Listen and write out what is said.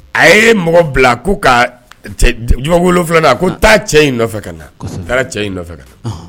A ye mɔgɔ bila ko ka du wolon filanan na ko taa cɛ in ka na taara cɛ in ka na